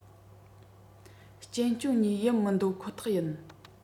གཅེན གཅུང གཉིས ཡིན མི འདོད ཁོ ཐག ཡིན